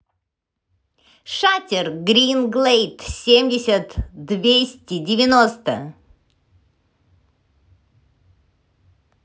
шатер green glade семьдесят двести девяносто